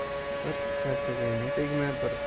bir charchaganga tegma